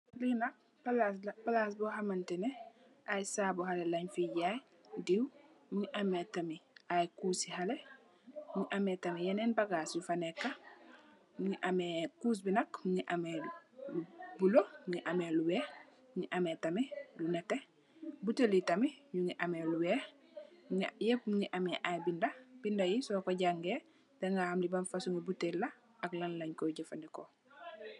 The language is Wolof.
Fi nak palas la, palas bu xamteni ay sabu xalèh laañ fi jaay, diw mugii ameh tamit ay Kussi xalèh mugii ameh tamit yenen bagaas yu fa nèkka. Kuss bi nak mugii ameh lu bula, mugii ameh lu wèèx, mugii ameh tamit netteh. Butèèl yi tamit ñu ngi ameh lu wèèx yep ñu ngi ameh ay bindé, bindé yi so ko jangèè di ga xam li ban fasungi butèèl la ak lan lañ koy jafandiko.